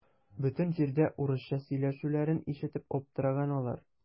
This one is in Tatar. Бөтен җирдә урысча сөйләшүләрен ишетеп аптыраган алар.